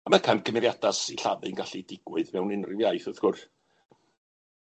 A ma' camgymeriadau sillafu'n gallu digwydd mewn unryw iaith wrth gwrs.